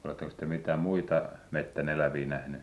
olettekos te mitään muita metsän eläviä nähnyt